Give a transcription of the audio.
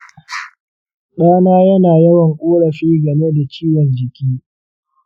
ɗana yana yawan korafi game da ciwon jiki.